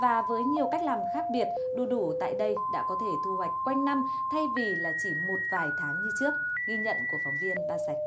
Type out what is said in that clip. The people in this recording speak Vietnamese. và với nhiều cách làm khác biệt đu đủ tại đây đã có thể thu hoạch quanh năm thay vì là chỉ một vài tháng như trước ghi nhận của phóng viên ba sạch